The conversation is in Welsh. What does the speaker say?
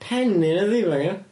Pen 'i o'dd 'i bangio.